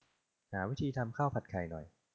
หาวิธีทำข้าวผัดไข่หน่อย